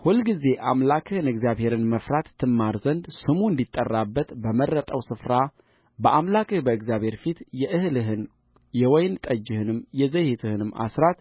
ሁልጊዜ አምላክህን እግዚአብሔርን መፍራት ትማር ዘንድ ስሙ እንዲጠራበት በመረጠው ስፍራ በአምላክህ በእግዚአብሔር ፊት የእህልህን የወይን ጠጅህንም የዘይትህንም አሥራት